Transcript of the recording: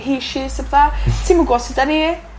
he she's a petha. Ti'm yn gw'o' sut 'dan ni.